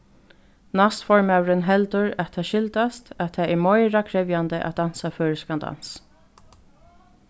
næstformaðurin heldur at tað skyldast at tað er meira krevjandi at dansa føroyskan dans